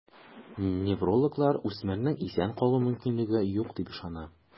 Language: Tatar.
Неврологлар үсмернең исән калу мөмкинлеге юк диеп ышана.